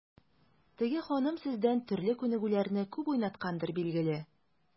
Теге ханым сездән төрле күнегүләрне күп уйнаткандыр, билгеле.